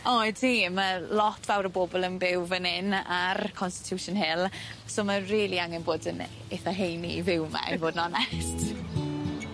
O ydi ma' lot fawr o bobol yn byw fyn 'yn ar Constitution Hill so ma' rili angen bod yn e- eitha heini i fyw 'my i fod yn onest.